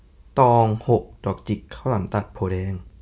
ตองหกดอกจิกข้าวหลามตัดโพธิ์แดง